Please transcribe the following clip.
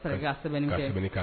Sɛbɛn